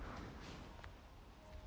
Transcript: салют ты не угадала у меня день рождения